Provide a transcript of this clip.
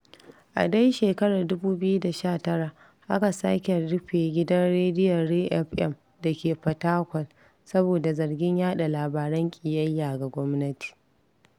A dai shekarar 2019 aka sake rufe Gidan Rediyon Jay FM da ke Fatakwal saboda zargin yaɗa labaran ƙiyayya ga gwamnati.